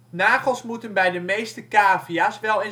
Nagels moeten bij de meeste cavia 's wel